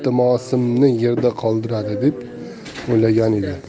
iltimosimni yerda qoldiradi deb o'ylagan edi